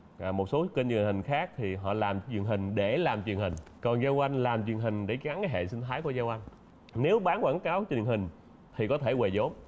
à một số kênh truyền hình khác thì họ làm truyền hình để làm truyền hình còn dao oanh làm truyền hình để gắn với hệ sinh thái của dao oanh nếu bán quảng cáo truyền hình thì có thể huề vốn